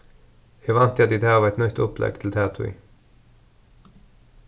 eg vænti at tit hava eitt nýtt upplegg til ta tíð